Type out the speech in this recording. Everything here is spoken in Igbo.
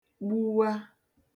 gbuwa